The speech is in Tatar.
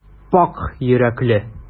Пакь йөрәкле.